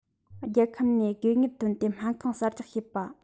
རྒྱལ ཁབ ནས དགོས དངུལ བཏོན ཏེ སྨན ཁང གསར རྒྱག བྱེད པ